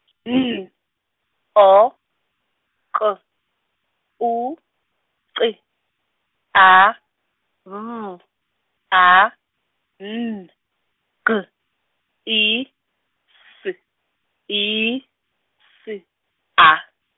N, O, K, U, Q, A, B , A, N, G, I, S, I, S, A.